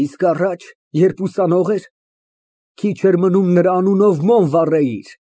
Իսկ առա՞ջ, երբ ուսանող է՞ր։ Քիչ էր մնում նրա անունով մոմ վառեիր։